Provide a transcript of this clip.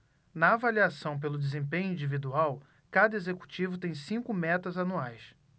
na avaliação pelo desempenho individual cada executivo tem cinco metas anuais